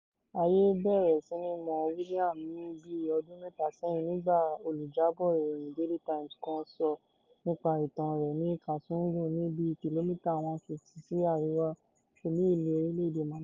Ayé bẹ̀rẹ̀ sí ní mọ William ní bíi ọdún mẹta sẹ́yìn nígbà olújábọ̀ ìròyìn Daily Times kan sọ nípa ìtàn rẹ̀ ní Kasungu ní bíi kìlómítà 150 sí àríwá olú ìlú orílẹ̀-èdè Malawi.